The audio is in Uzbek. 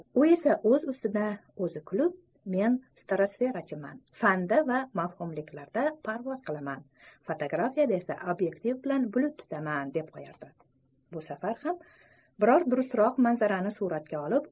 bu safar ham biror durustroq manzarani suratga olib